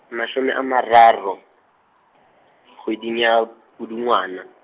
mashome a mararo, kgweding ya, Pudungwana.